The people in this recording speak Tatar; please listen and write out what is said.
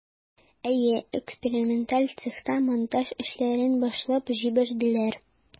Әйе, эксперименталь цехта монтаж эшләрен башлап җибәрделәр.